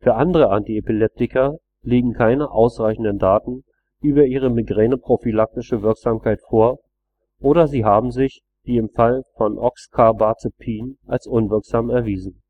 Für andere Antiepileptika liegen keine ausreichenden Daten über ihre migräneprophylaktische Wirksamkeit vor oder sie haben sich, wie im Fall von Oxcarbazepin, als unwirksam erwiesen